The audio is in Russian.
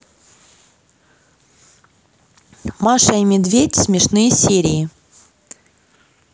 маша и медведь смешные серии